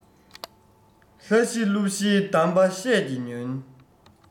ལྷ ཞི གླུ ཞིའི གདམས པ བཤད ཀྱི ཉོན